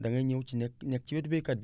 da ngay ñëw ci nekk nekk ci wetu baykat bi